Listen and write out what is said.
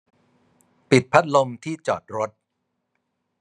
ปิดพัดลมที่จอดรถ